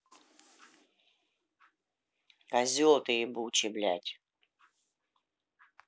козел ты ебучий блядь